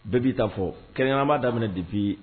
Bɛɛ bɛ'i ta fɔ kɛɲɔgɔnba daminɛ dibi